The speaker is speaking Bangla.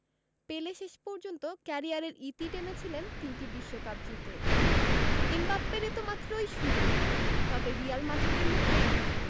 পেলে শেষ পর্যন্ত ক্যারিয়ারের ইতি টেনেছিলেন তিনটি বিশ্বকাপ জিতে এমবাপ্পের এ তো মাত্রই শুরু তবে রিয়াল মাদ্রিদের মুখে